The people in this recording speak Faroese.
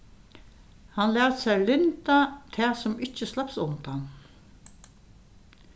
hann læt sær lynda tað sum ikki slapst undan